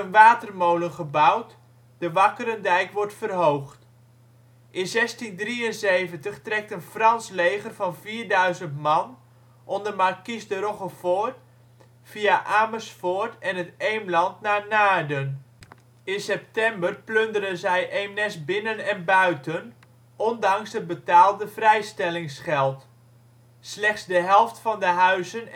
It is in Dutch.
watermolen gebouwd, de Wakkerendijk wordt verhoogd. In 1673 trekt een Frans leger van 4000 man onder markies de Rochefort via Amersfoort en het Eemland naar Naarden. In september plunderen zij Eemnes-Binnen en - Buiten, ondanks het betaalde vrijstellingsgeld. Slechts de helft van de huizen